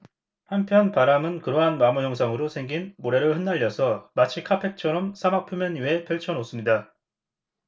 한편 바람은 그러한 마모 현상으로 생긴 모래를 흩날려서 마치 카펫처럼 사막 표면 위에 펼쳐 놓습니다